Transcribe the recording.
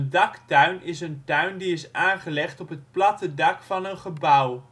daktuin is een tuin die is aangelegd op het platte dak van een gebouw